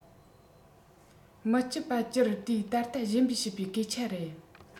མི སྐྱིད པ སྤྱིར དུས ད ལྟ གཞན པས བཤད པའི སྐད ཆ རེད